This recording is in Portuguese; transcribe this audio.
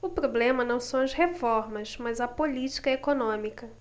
o problema não são as reformas mas a política econômica